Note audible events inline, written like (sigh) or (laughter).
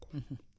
(hesitation) (hesitation)